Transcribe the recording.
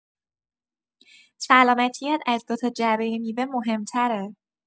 سلامتی‌ات از دو تا جعبه میوه مهم‌تره.